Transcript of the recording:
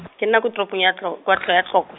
ke nna ko topo ya tlo, kwa tlwa ya Tlokwe.